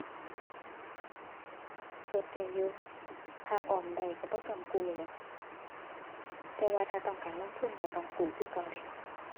ลดได้อยู่ ถ้าออมได้ก็บ่ต้องกู้แหล้ว แต่ว่าถ้าต้องการลงทุนก็ต้องกู้คือเก่าเดะ